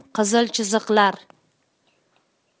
qizil chiziqlar